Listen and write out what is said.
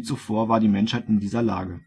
zuvor war die Menschheit in dieser Lage.